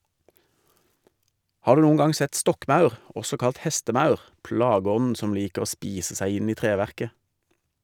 Har du noen gang sett stokkmaur, også kalt hestemaur, plageånden som liker å spise seg inn i treverket?